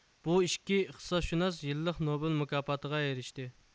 بۇ ئىككى ئىقتىسادشۇناس يىللىق نوبېل مۇكاپاتىغا ئېرىشتى